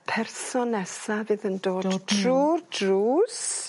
person nesa fydd yn dod... Dod hmm. ...trw'r drws